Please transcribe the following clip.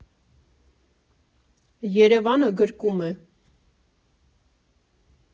Երևանը գրկում է։